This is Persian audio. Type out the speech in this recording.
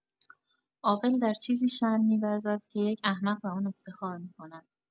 عاقل در چیزی شرم می‌ورزد که یک احمق به آن افتخار می‌کند!